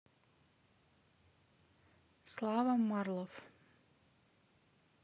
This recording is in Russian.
слава марлов